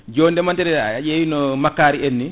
joni ndeemateri a ƴeewi no makkari en ni